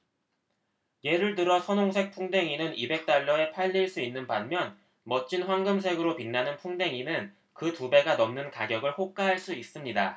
예를 들어 선홍색 풍뎅이는 이백 달러에 팔릴 수 있는 반면 멋진 황금색으로 빛나는 풍뎅이는 그 두 배가 넘는 가격을 호가할 수 있습니다